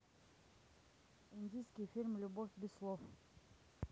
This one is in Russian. индийский фильм любовь без слов